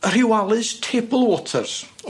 Rhiwalis Tablewaters.